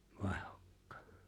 vaihdokkaan